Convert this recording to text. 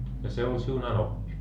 ja se oli sinun anoppi